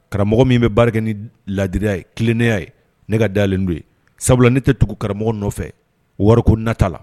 Karamɔgɔ min bɛ baara kɛ ni ladiriya ye kelen neya ye ne ka dalen don ye sabula ne tɛ tugu karamɔgɔ nɔfɛ wari ko nata la